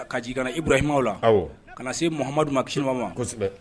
Kaji ka na i bɔrahima la kana na se mahamadudu mama ma